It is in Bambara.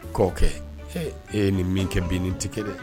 K' kɛ ee e ye nin min kɛ bin ni tɛ kɛ dɛ